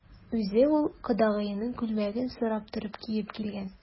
Үзе ул кодагыеның күлмәген сорап торып киеп килгән.